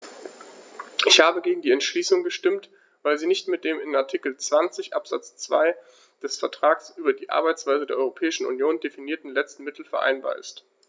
Ich habe gegen die Entschließung gestimmt, weil sie nicht mit dem in Artikel 20 Absatz 2 des Vertrags über die Arbeitsweise der Europäischen Union definierten letzten Mittel vereinbar ist.